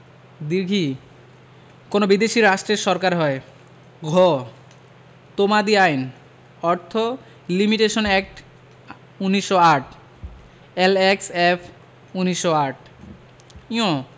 ঈ কোন বিদেশী রাষ্ট্রের সরকার হয় ঘ তমাদি আইন অর্থ Limitation Act ১৯০৮ L X F ১৯০৮ ঙ